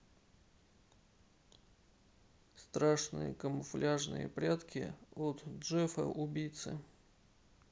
страшные камуфляжные прятки от джеффа убийцы